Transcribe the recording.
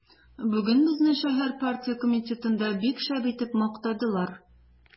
Бүген безне шәһәр партия комитетында бик шәп итеп мактадылар.